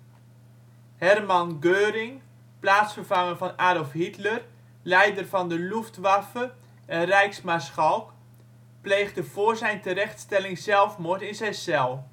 Hermann Göring (plaatsvervanger van Adolf Hitler, leider van de Luftwaffe en Rijksmaarschalk, pleegde vóór zijn terechtstelling zelfmoord in zijn cel